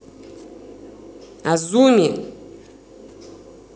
азуми